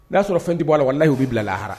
N y'a sɔrɔ fɛn tɛ'a la wala n' y' bɛ bila laha